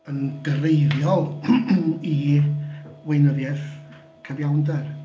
Yn greiddiol i weinyddiaeth cyfiawnder.